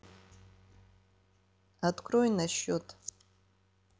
открой насчет